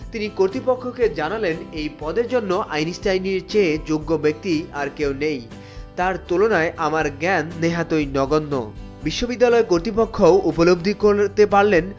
তিনি কর্তৃপক্ষকে জানালেন এই পদের জন্য আইনস্টাইন এর চেয়ে যোগ্য ব্যক্তি আর কেউ নেই তার তুলনায় আমার জ্ঞান নেহাতই নগণ্য বিশ্ববিদ্যালয় কর্তৃপক্ষ উপলব্ধি করতে পারলেন